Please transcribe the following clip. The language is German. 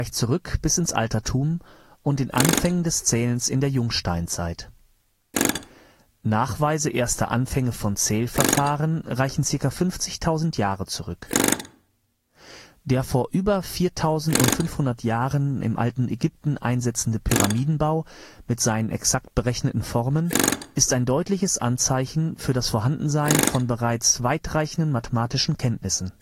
zurück bis ins Altertum und den Anfängen des Zählens in der Jungsteinzeit. Nachweise erster Anfänge von Zählverfahren reichen ca. 50.000 Jahre zurück. Der vor über 4500 Jahren im Alten Ägypten einsetzende Pyramidenbau mit seinen exakt berechneten Formen ist ein deutliches Anzeichen für das Vorhandensein von bereits weitreichenden mathematischen Kenntnissen